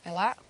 fel 'a.